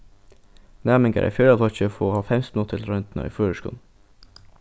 næmingar í fjórða flokki fáa hálvfems minuttir til royndina í føroyskum